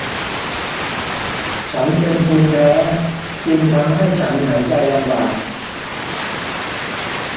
ฉันเป็นภูมิแพ้จึงทำให้ฉันหายใจลำบาก